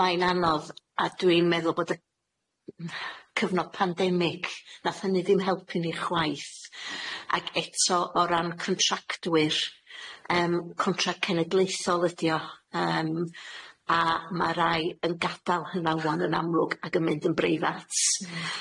Mae'n anodd, a dwi'n meddwl bod y cyfnod pandemig, nath hynny ddim helpu ni chwaith ac eto o ran contractwyr yym contract cenedlaethol ydi o, yym a ma' rai yn gadal hynna 'wan yn amlwg ac yn mynd yn breifat.